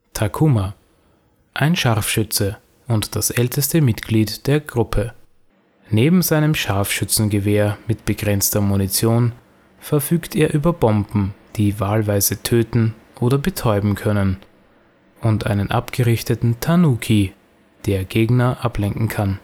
Takuma: Ein Scharfschütze und das älteste Mitglied der Gruppe. Neben seinem Scharfschützengewehr mit begrenzter Munition verfügt er über Bomben, die wahlweise töten oder betäuben können, und einen abgerichteten Tanuki, der Gegner ablenken kann